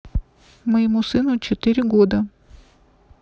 моему сыну четыре года